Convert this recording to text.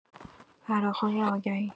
فراخوان یا آگهی